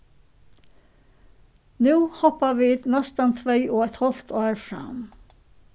nú hoppa vit næstan tvey og eitt hálvt ár fram